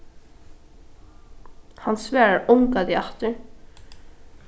hann svarar ongantíð aftur